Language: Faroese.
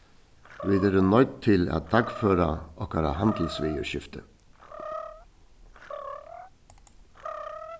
vit eru noydd til at dagføra okkara handilsviðurskifti